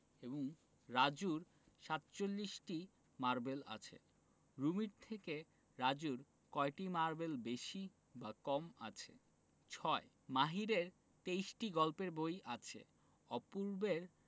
এবং রাজুর ৪৭টি মারবেল আছে রুমির থেকে রাজুর কয়টি মারবেল বেশি বা কম আছে ৬ মাহিরের ২৩টি গল্পের বই আছে অপূর্বের